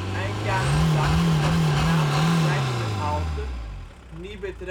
eind jaren tachtig was de naam van de rijksweghalte Niebert